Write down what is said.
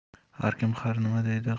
har kim har nima deydi